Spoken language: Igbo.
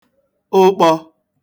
ụkpọ̄